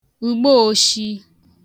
ùgbooshi